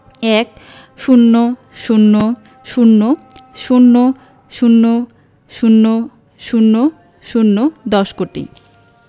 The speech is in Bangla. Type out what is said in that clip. ১০০০০০০০০ দশ কোটি